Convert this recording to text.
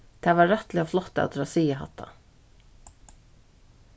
tað var rættiliga flott av tær at siga hatta